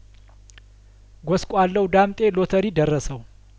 ጐስቋላው ዳምጤ ሎተሪ ደረሰው